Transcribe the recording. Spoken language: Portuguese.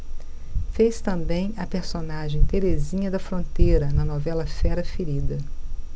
fez também a personagem terezinha da fronteira na novela fera ferida